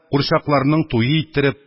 Курчакларының туе иттереп,